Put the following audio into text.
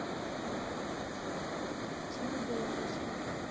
тима беларуссов